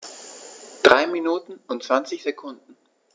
3 Minuten und 20 Sekunden